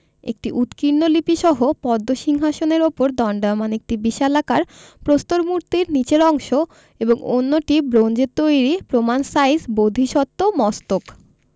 একটি উৎকীর্ণ লিপিসহ পদ্ম সিংহাসনের ওপর দণ্ডায়মান একটি বিশালাকার প্রস্তর মূর্তির নিচের অংশ এবং অন্যটি ব্রোঞ্জের তৈরী প্রমাণ সাইজ বোধিসত্ত্ব মস্তক